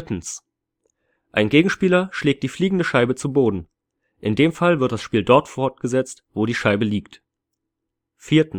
Ein Gegenspieler schlägt die fliegende Scheibe zu Boden. In dem Fall wird das Spiel dort fortgesetzt, wo die Scheibe liegt. Die